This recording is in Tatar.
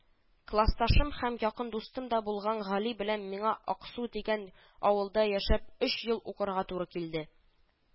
- классташым һәм якын дустым да булган гали белән миңа аксу дигән авылда яшәп, өч ел укырга туры килде